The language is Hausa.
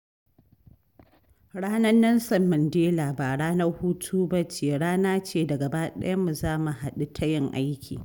Ranar Nelson Mandela ba ranar hutu ba ce, rana ce da gaba ɗayanmu za mu haɗu ta yin aiki.